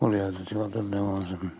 O leia oddet ti'n weld